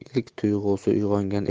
ilk tug'usi uyg'ongan edi